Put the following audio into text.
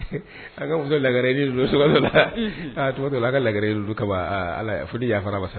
A ka muso lagareni ninnu tuma dɔ la, unhun, a tuma dɔ la, a ka lagareni ninnu kama, Ala fɔ ni yafara ma sa.